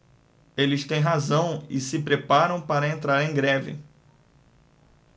eles têm razão e se preparam para entrar em greve